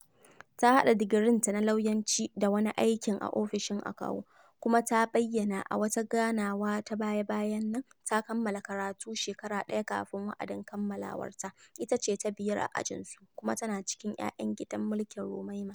Ta haɗa digirinta na lauyanci da wani aikin a ofishin akawu, kuma ta bayyana a wata ganawa ta baya-bayan nan, ta kammala karatu shekara ɗaya kafin wa'adin kammalawarta, ita ce ta biyar a ajinsu, kuma tana cikin 'ya'yan gidan mulkin Roraima.